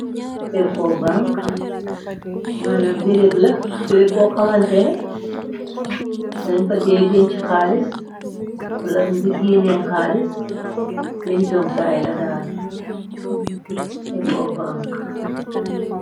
Ecobank manam birabi bo xamante ne dañ fa déé denci xalis wala di gèneh xalis, dencee Kay la daal eco bank.